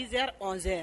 Z z